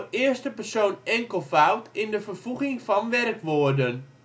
eerste persoon enkelvoud in de vervoeging van werkwoorden